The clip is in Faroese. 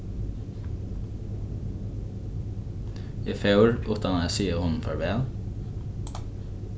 eg fór uttan at siga honum farvæl